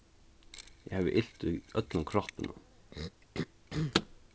eg havi ilt í øllum kroppinum